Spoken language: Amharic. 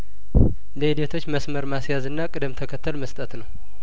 ለሂደቶች መስመር ማስያዝና ቅደም ተከተል መስጠት ነው